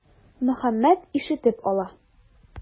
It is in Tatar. Мөхәммәт ишетеп ала.